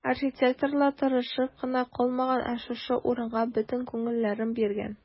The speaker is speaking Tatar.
Архитекторлар тырышып кына калмаган, ә шушы урынга бөтен күңелләрен биргән.